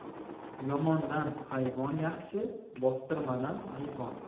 yomondan hayvon yaxshi bostirmadan ayvon